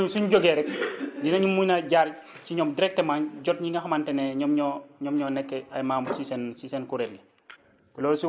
donc ñooñu suñ jógee rek dinañ mun a jaar ci ñoom directement jot ñi nga xamante ne ñoom ñoo ñoom ñoo nekk ay membres ci seen ci seen kuréel yi